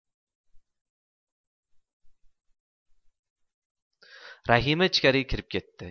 rahima ichkariga kirib ketdi